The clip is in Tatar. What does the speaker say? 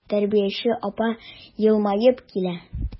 Тәрбияче апа елмаеп килә.